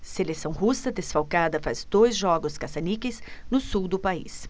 seleção russa desfalcada faz dois jogos caça-níqueis no sul do país